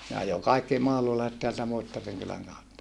ne ajoi kaikki mahlulaiset täältä Muittarin kylän kautta